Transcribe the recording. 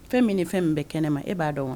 Fɛn min ni fɛn min bɛɛ kɛnɛ ne ma e b'a dɔn wa